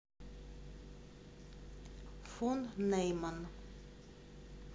фон нейман